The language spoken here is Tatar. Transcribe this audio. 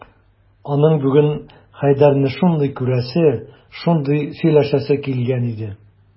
Аның бүген Хәйдәрне шундый күрәсе, шундый сөйләшәсе килгән иде...